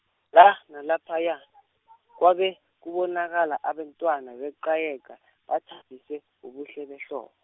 la nalaphaya, kwabe, kubonakala abantwana beqayeqa bathatjiswe, bubuhle behlobo.